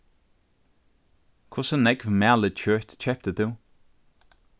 hvussu nógv malið kjøt keypti tú